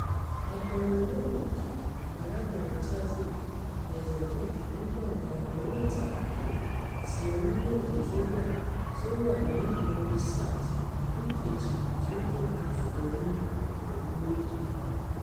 Akọrin-olóhùn-òkè ni arábìnrin Tasić Knežević ní Gbọ̀ngan Eré-ìtàgé ti orílẹ̀-èdè Serbia tí ó wà ní Novi Sad, ìlú kejì tí ó tóbi jù lọ ní orílẹ̀-èdè náà.